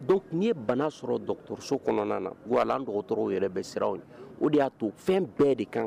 Dɔnkuc tun ye bana sɔrɔ dɔgɔtɔrɔroso kɔnɔna na wa dɔgɔtɔrɔw yɛrɛ bɛ siraw ye o de y'a to fɛn bɛɛ de kan